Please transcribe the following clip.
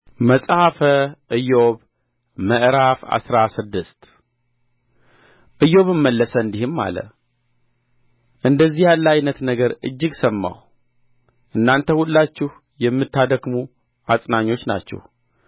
መጽሐፈ ኢዮብ ምዕራፍ አስራ ስድስት ኢዮብም መለሰ እንዲህም አለ እንደዚህ ያለ ዓይነት ነገር እጅግ ሰማሁ እናንተ ሁላችሁ የምታደክሙ አጽናኞች ናችሁ